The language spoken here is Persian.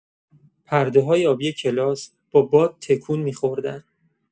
پرده‌های آبی کلاس با باد تکون می‌خوردن.